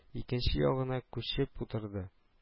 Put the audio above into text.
—икенче ягына күчеп утырды